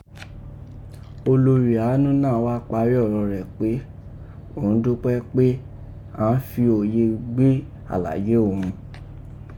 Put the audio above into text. Olori Anu naa wa pari ọrọ rẹ pe oun dupẹ pe ẹ fi oye gbe alaye oun.